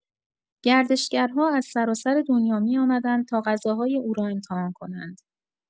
گردشگرها از سراسر دنیا می‌آمدند تا غذاهای او را امتحان کنند.